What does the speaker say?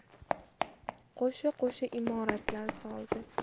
qo'sha qo'sha imoratlar soldi